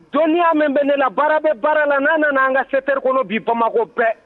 Donni y'a mɛn bɛn ne la baara bɛ baara la n'a nana' an ka seteri kɔnɔ bi bamakɔ bɛɛ